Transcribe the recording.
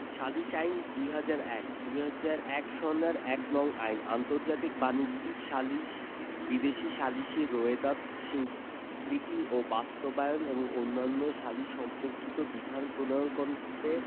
সালিস আইন ২০০১ ২০০১ সনের ১নং আইন আন্তর্জাতিক বাণিজ্যিক সালিস বিদেশী সালিসী রোয়েদাদ স্বীকৃতি ও বাস্তবায়ন এবং অন্যান্য সালিস সম্পর্কিত বিধান প্রণয়নকল্পে